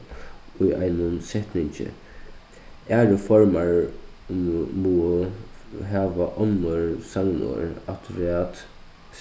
í einum setningi aðrir formar mugu hava onnur sagnorð afturat